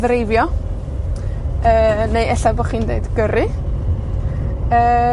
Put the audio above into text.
ddreifio. Yy, neu ella bo' chi'n ddeud gyrru. Yy.